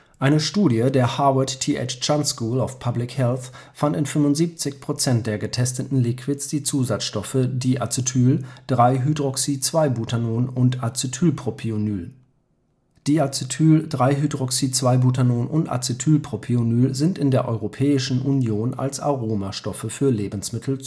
Eine Studie der Harvard T.H. Chan School of Public Health fand in 75% der getesteten Liquids die Zusatzstoffe Diacetyl, 3-Hydroxy-2-butanon und Acetylpropionyl. Diacetyl, 3-Hydroxy-2-butanon (Acetoin) und Acetylpropionyl (Acetyl Propionyl) sind in der Europäischen Union als Aromastoffe für Lebensmittel zugelassen